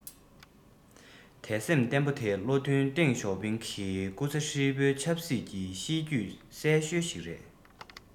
དད སེམས བརྟན པོ དེ བློ མཐུན ཏེང ཞའོ ཕིང གི སྐུ ཚེ ཧྲིལ པོའི ཆབ སྲིད ཀྱི གཤིས རྒྱུད གསལ ཤོས ཤིག རེད ལ